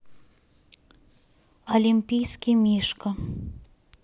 олимпийский мишка